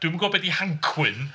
Dwi'm yn gwybod be 'di hancwyn.